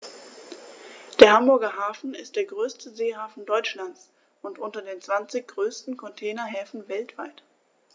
Der Hamburger Hafen ist der größte Seehafen Deutschlands und unter den zwanzig größten Containerhäfen weltweit.